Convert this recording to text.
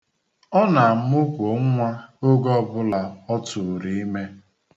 Ọ na-amụkwo nnwa oge ọbụla ọ tụụrụ ime.